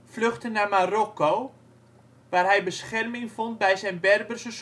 vluchtte naar Marokko, waar hij bescherming vond bij zijn Berberse